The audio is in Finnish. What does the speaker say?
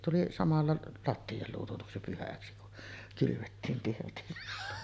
tuli samalla lattia luututuksi pyhäksi kun kylvettiin pirtissä